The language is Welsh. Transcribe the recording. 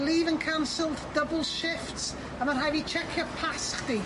Leave yn canceled, double shifts a ma' rhai' fi checio pas chdi.